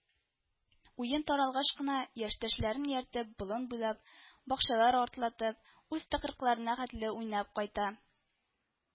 Уен таралгач кына яшьтәшләрен ияртеп болын буйлап – бакчалар артлатып, үз тыкрыкларына хәтле уйнап кайта